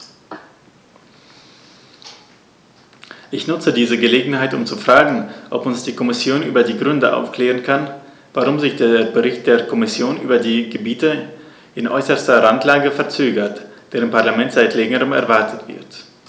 Ich nutze diese Gelegenheit, um zu fragen, ob uns die Kommission über die Gründe aufklären kann, warum sich der Bericht der Kommission über die Gebiete in äußerster Randlage verzögert, der im Parlament seit längerem erwartet wird.